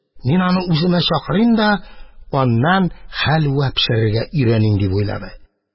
Мин аны үземә чакырыйм да аннан хәлвә пешерергә өйрәним», – дип уйлады.